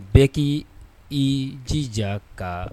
Bɛɛ k'i i jija ka